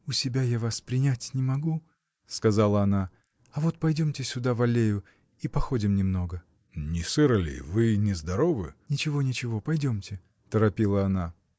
— У себя я вас принять не могу, — сказала она, — а вот пойдемте сюда в аллею и походим немного. — Не сыро ли: вы нездоровы. — Ничего, ничего, пойдемте. — торопила она.